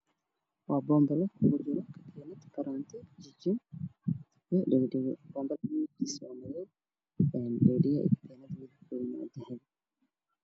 Waa boonbale midabkiisa yahay madow waxaa ku jira kartiin midabkiisa iyo dahabi